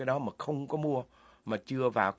đó mà không có mua mà chưa vào